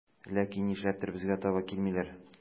Ләкин нишләптер безгә таба килмиләр.